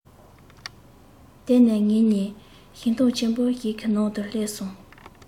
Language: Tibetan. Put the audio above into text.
དེ ནས ངེད གཉིས ཞིང ཐང ཆེན པོ ཞིག གི ནང དུ སླེབས སོང